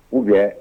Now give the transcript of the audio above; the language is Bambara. Oubien